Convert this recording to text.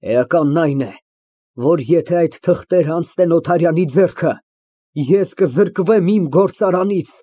Էականն այն է, որ եթե այդ թղթերն անցնեն Օթարյանի ձեռքը, ես կզրկվեմ իմ գործարանից։